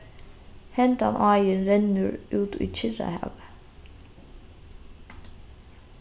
henda áin rennur út í kyrrahavið